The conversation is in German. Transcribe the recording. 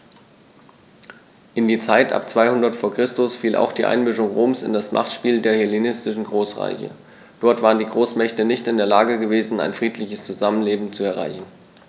In die Zeit ab 200 v. Chr. fiel auch die Einmischung Roms in das Machtspiel der hellenistischen Großreiche: Dort waren die Großmächte nicht in der Lage gewesen, ein friedliches Zusammenleben zu erreichen.